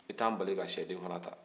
i t'an bali ka sɛden fɛnɛ ta